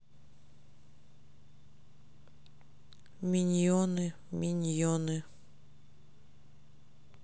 миньоны миньоны